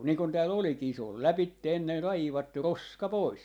niin kun täällä olikin se oli lävitse ennen raivattu roska pois